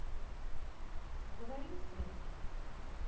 поговорим с репликой